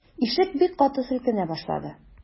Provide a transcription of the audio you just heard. Ишек бик каты селкенә башлады.